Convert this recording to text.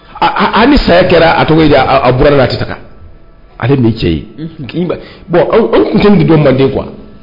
Aaa an ni saya kɛra a tɔgɔ ye a bɔra la tɛ ale ni cɛ ye bɔn tun tɛ don mande